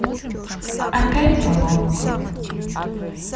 опять поломка